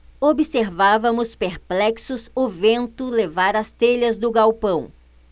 observávamos perplexos o vento levar as telhas do galpão